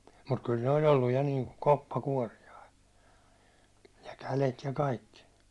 mutta kyllä ne oli ollut ja niin kuin koppakuoriaisia ja kädet ja kaikki